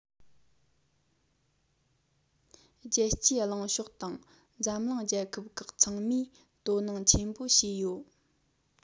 རྒྱལ སྤྱིའི གླེང ཕྱོགས དང འཛམ གླིང རྒྱལ ཁབ ཁག ཚང མས དོ སྣང ཆེན པོ བྱས ཡོད